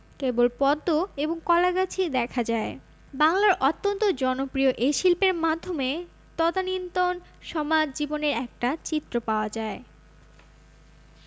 কেবল পদ্ম এবং কলাগাছই দেখা যায় বাংলার অত্যন্ত জনপ্রিয় এ শিল্পের মাধ্যমে তদানীন্তন সমাজ জীবনের একটা চিত্র পাওয়া যায়